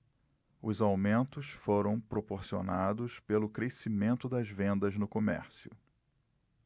os aumentos foram proporcionados pelo crescimento das vendas no comércio